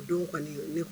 Don kɔni